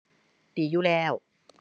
ดีอยู่แล้ว